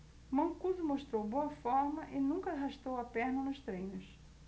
mancuso mostrou boa forma e nunca arrastou a perna nos treinos